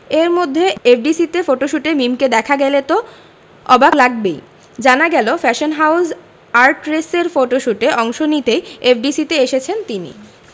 এরমধ্যে এফডিসিতে ফটোশুটে মিমকে দেখা গেল তো অবাক লাগবেই জানা গেল ফ্যাশন হাউজ আর্টরেসের ফটশুটে অংশ নিতেই এফডিসিতে এসেছেন তিনি